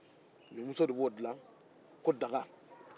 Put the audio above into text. numuso de b'o dilan ko daga